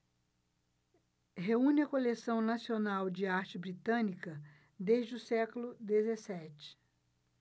reúne a coleção nacional de arte britânica desde o século dezessete